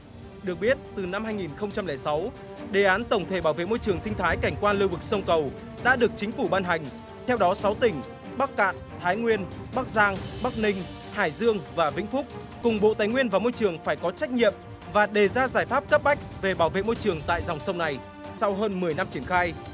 được biết từ năm hai nghìn không trăm lẻ sáu đề án tổng thể bảo vệ môi trường sinh thái cảnh quan lưu vực sông cầu đã được chính phủ ban hành theo đó sáu tỉnh bắc kạn thái nguyên bắc giang bắc ninh hải dương và vĩnh phúc cùng bộ tài nguyên và môi trường phải có trách nhiệm và đề ra giải pháp cấp bách về bảo vệ môi trường tại dòng sông này sau hơn mười năm triển khai